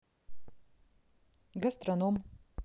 гастроном